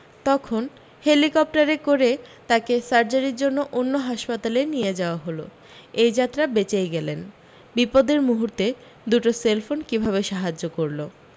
তখন হেলিকপ্টারে করে তাকে সার্জারির জন্যে অন্য হাসপাতালে নিয়ে যাওয়া হল এ যাত্রা বেঁচই গেলেন বিপদের মূহুর্তে দুটো সেলফোন কিভাবে সাহায্য করল